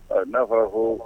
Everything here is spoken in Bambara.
Aa n'a fɔra ko